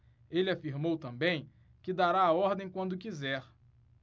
ele afirmou também que dará a ordem quando quiser